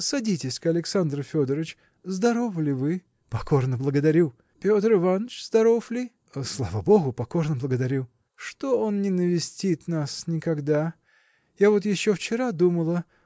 Садитесь-ка, Александр Федорыч, здоровы ли вы? – Покорно благодарю. – Петр Иваныч здоров ли? – Слава богу, покорно благодарю. – Что он не навестит нас никогда? Я вот еще вчера думала